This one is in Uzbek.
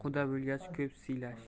quda bo'lgach ko'p siylash